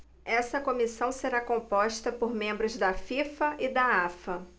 essa comissão será composta por membros da fifa e da afa